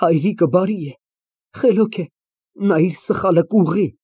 Հայրիկը բարի է, խելոք է, նա իր սխալը կուղղի։